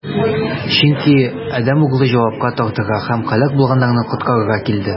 Чөнки Адәм Углы җавапка тартырга һәм һәлак булганнарны коткарырга килде.